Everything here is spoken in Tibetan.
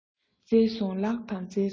མཛེས སོང ལགས དང མཛེས སོང